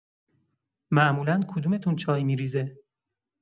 معمولا کدومتون چای می‌ریزه؟